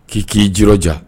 K'i k'i jija